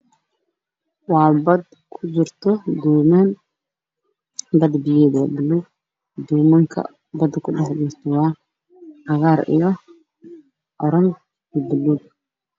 Waa bad waxaa kujiro dooman, badda biyaheeda waa buluug, doomankuna waa cagaar, oranji iyo buluug.